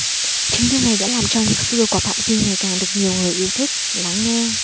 chính điều này đã làm cho nhạc xưa của phạm duy ngày càng được nhiều người yêu thích lắng nghe